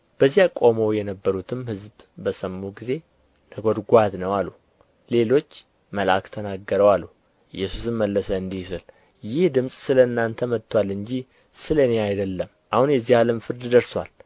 በዚያ ቆመው የነበሩትም ሕዝብ በሰሙ ጊዜ ነጐድጓድ ነው አሉ ሌሎች መልአክ ተናገረው አሉ ኢየሱስም መለሰ እንዲህ ሲል ይህ ድምፅ ስለ እናንተ መጥቶአል እጂ ስለ እኔ አይደለም አሁን የዚህ ዓለም ፍርድ ደርሶአል